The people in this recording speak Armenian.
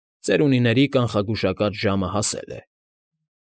Ծերունիների կանխագուշակած ժամը հասել է։